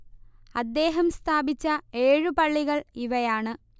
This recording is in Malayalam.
അദ്ദേഹം സ്ഥാപിച്ച ഏഴു പള്ളികൾ ഇവയാണ്